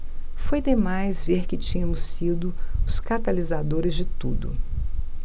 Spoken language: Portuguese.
foi demais ver que tínhamos sido os catalisadores de tudo